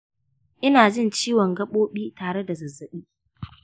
ina jin ciwon gabobi tare da zazzaɓi